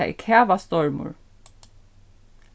tað er kavastormur